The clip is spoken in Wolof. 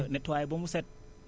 netoyyé ba mu set